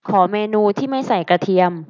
ขอเมนูที่ไม่ใส่กระเทียม